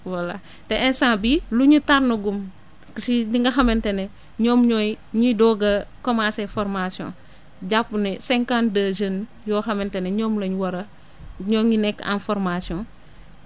voilà te instant bii lu ñu tànnagum si li nga xamante ne ñoom ñooy ñiy doog a commencé formation jàpp ne cinquante deux jeunes yoo xamante ne ñoom lañ war a ñoo ngi nekk en formation